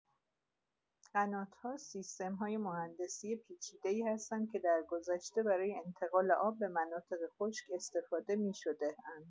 قنات‌ها سیستم‌های مهندسی پیچیده‌ای هستند که درگذشته برای انتقال آب به مناطق خشک استفاده می‌شده‌اند.